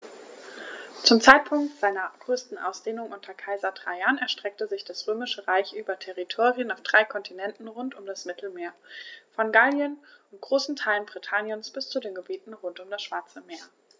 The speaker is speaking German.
Zum Zeitpunkt seiner größten Ausdehnung unter Kaiser Trajan erstreckte sich das Römische Reich über Territorien auf drei Kontinenten rund um das Mittelmeer: Von Gallien und großen Teilen Britanniens bis zu den Gebieten rund um das Schwarze Meer.